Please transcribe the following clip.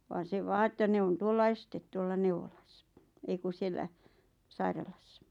vaan se vain että ne on tuolla ensin tuolla neuvolassa ei kun siellä sairaalassa